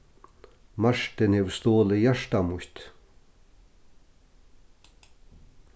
martin hevur stolið hjartað mítt